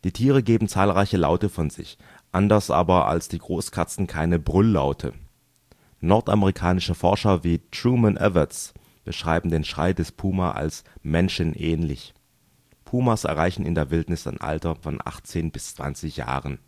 Tiere geben zahlreiche Laute von sich, anders aber als die Großkatzen keine Brülllaute. Nordamerikanische Forscher wie Truman Everts beschreiben den Schrei des Puma als menschenähnlich. Pumas erreichen in der Wildnis ein Alter von 18 bis 20 Jahren